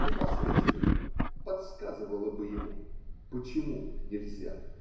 непосредственно подсказывала бы ему, почему нельзя.